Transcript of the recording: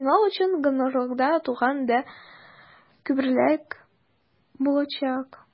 Финал өчен гонорарлар тагын да күбрәк булачак.